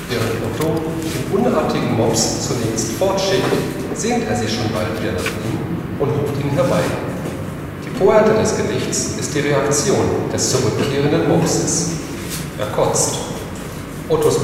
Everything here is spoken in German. Während Otto den unartigen Mops zunächst fortschickt, sehnt er sich schon bald wieder nach ihm und ruft ihn herbei. Die Pointe des Gedichts ist die Reaktion des zurückkehrenden Mopses: Er kotzt. ottos